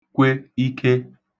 kwe ike